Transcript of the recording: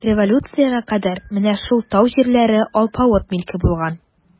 Революциягә кадәр менә шул тау җирләре алпавыт милке булган.